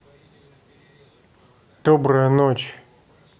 добрая ночь